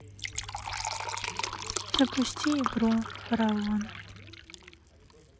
запусти игру фараон